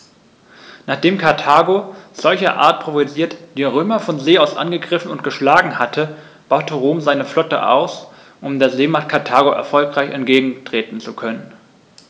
Nachdem Karthago, solcherart provoziert, die Römer von See aus angegriffen und geschlagen hatte, baute Rom seine Flotte aus, um der Seemacht Karthago erfolgreich entgegentreten zu können.